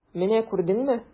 Менә күрдеңме!